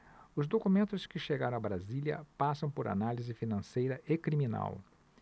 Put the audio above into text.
os documentos que chegaram a brasília passam por análise financeira e criminal